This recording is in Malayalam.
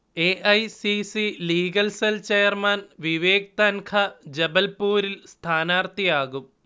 A. I. C. C. Legal cell chairman Vivek Tankha ജബൽപുരിൽ സ്ഥാനാർഥിയാകും